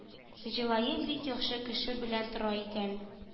Җәләем бик яхшы кеше белән тора икән